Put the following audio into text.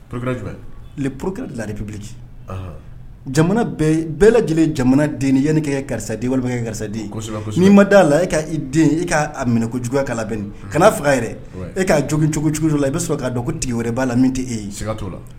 Le poro la de biki bɛɛ lajɛlen jamana den ni yanni kɛ karisaden walima kɛ karisa n'i ma d'a la e ka den i ka minɛ kojugu kala kana faga yɛrɛ e ka jo cogo cogo la i bɛ sɔrɔ k'a dɔn ko tigi wɛrɛ b'a la min tɛ e